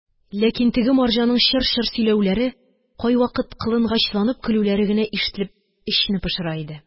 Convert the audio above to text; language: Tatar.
Ләкин теге марҗаның чыр-чыр сөйләүләре, кайвакыт кылынгычланып көлүләре генә ишетелеп эчне пошыра иде.